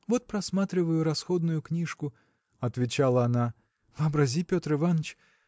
– Вот просматриваю расходную книжку, – отвечала она. – Вообрази, Петр Иваныч